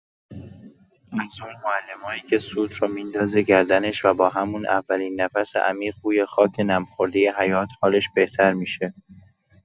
از اون معلمایی که سوت رو می‌ندازه گردنش و با همون اولین نفس عمیق بوی خاک نم‌خوردۀ حیاط حالش بهتر می‌شه.